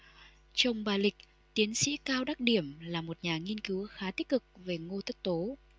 chồng bà lịch tiến sĩ cao đắc điểm là một nhà nghiên cứu khá tích cực về ngô tất tố